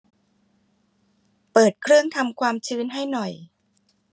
เปิดเครื่องทำความชื้นให้หน่อย